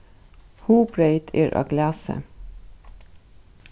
hugbreyt er á glasi